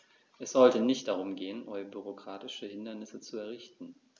Es sollte nicht darum gehen, neue bürokratische Hindernisse zu errichten.